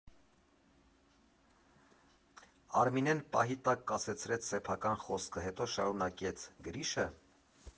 ֊ Արմինեն պահի տակ կասեցրեց սեփական խոսքը, հետո շարունակեց, ֊ Գրիշը՞։